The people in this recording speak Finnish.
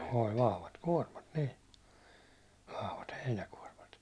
oli vahvat kuormat niin vahvat heinäkuormat